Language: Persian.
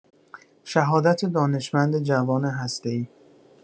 شهادت دانشمند جوان هسته‌ای